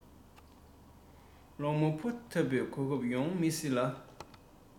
གློག ཕོ མོ འཐབས པའི གོ སྐབས ཡོང མི སྲིད ལ